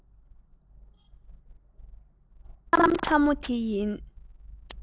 ཐག ཟམ ཕྲ མོ དེ ཡིན